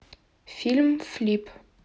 фильм флип